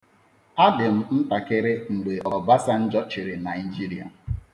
Adị m ntakịrị mgbe Ọbasanjọ chịrị Naijirịa.